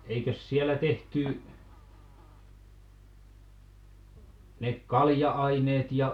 eikös siellä tehty ne kalja-aineet ja